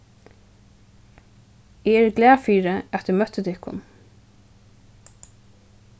eg eri glað fyri at eg møtti tykkum